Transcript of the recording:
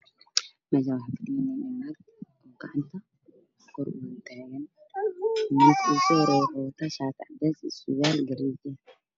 Meeshaan waxaa yaala barfuun kalarkisu waa madow wuuna caraf badan yahay